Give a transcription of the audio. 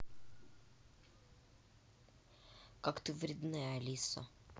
как ты вредная алиса